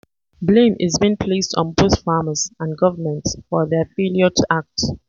Blame is being placed on both farmers and governments for their failure to act.